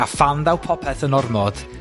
A phan ddaw popeth yn ormod,